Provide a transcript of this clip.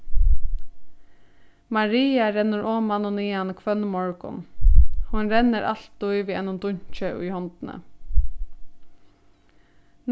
maria rennur oman og niðan hvønn morgun hon rennur altíð við einum dunki í hondini